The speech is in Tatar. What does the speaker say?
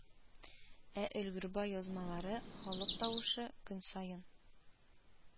Ә Өлгербай язмалары , Халык тавышы , Көн саен